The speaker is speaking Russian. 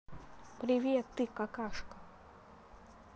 привет ты какашка